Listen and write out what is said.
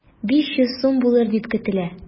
500 сум булыр дип көтелә.